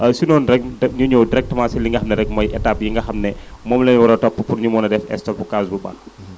si noonu rek direct ñu ñëw directement si li nga xam ni rek mooy étape yi nga xam ne moom la ñu war a topp pour ñu mën a def stockage bu baax